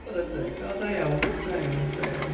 Chwarae teg. O da iawn, da iawn, da iawn.